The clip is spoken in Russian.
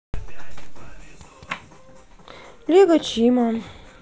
лего чима